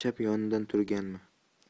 chap yonidan turganmi